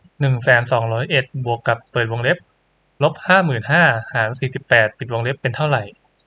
หนึ่งแสนสองร้อยเอ็ดบวกกับเปิดวงเล็บลบห้าหมื่นห้าหารสี่สิบแปดปิดวงเล็บเป็นเท่าไร